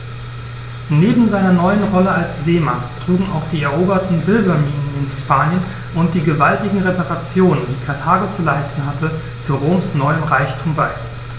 Neben seiner neuen Rolle als Seemacht trugen auch die eroberten Silberminen in Hispanien und die gewaltigen Reparationen, die Karthago zu leisten hatte, zu Roms neuem Reichtum bei.